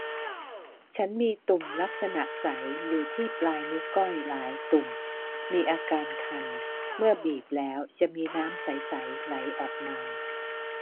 ฉันมีตุ่มลักษณะใสอยู่ที่ปลายนิ้วก้อยหลายตุ่มมีอาการคันเมื่อบีบแล้วจะมีน้ำใสใสไหลออกมา